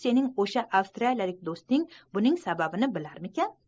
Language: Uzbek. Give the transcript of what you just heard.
sening o'sha avstraliyalik do'sting buning sababini bilarmikin